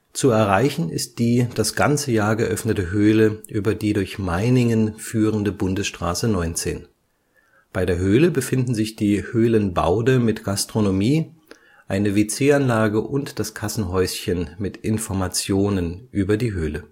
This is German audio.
Zu erreichen ist die das ganze Jahr geöffnete Höhle über die durch Meiningen führende Bundesstraße 19. Bei der Höhle befinden sich die Höhlenbaude mit Gastronomie, eine WC-Anlage und das Kassenhäuschen mit Informationen über die Höhle